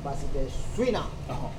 Basi su in na